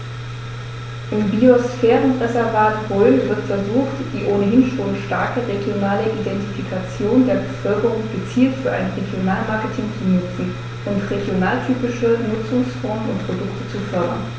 Im Biosphärenreservat Rhön wird versucht, die ohnehin schon starke regionale Identifikation der Bevölkerung gezielt für ein Regionalmarketing zu nutzen und regionaltypische Nutzungsformen und Produkte zu fördern.